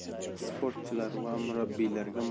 sportchilar va murabbiylarga